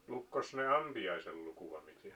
lukikos ne ampiaisenlukua mitään